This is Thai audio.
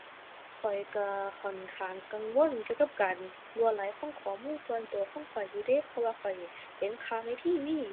ข้อยก็ค่อนข้างกังวลเกี่ยวกับการรั่วไหลของข้อมูลส่วนก็ของข้อยอยู่เดะ เพราะว่าข้อยเห็นข่าวใน TV